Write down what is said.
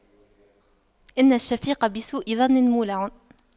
إن الشفيق بسوء ظن مولع